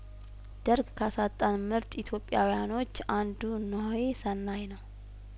ደርግ ካሳጣን ምርጥ ኢትዮጵያውያኖች አንዱ ናሆሰናይ ነው